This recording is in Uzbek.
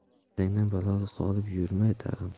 dadangdan baloga qolib yurmay tag'in